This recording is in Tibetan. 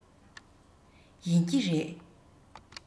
ཡིན གྱི རེད